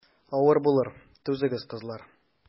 Авыр булыр, түзегез, кызлар.